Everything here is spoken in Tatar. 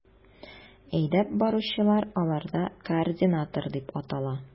Әйдәп баручылар аларда координатор дип атала.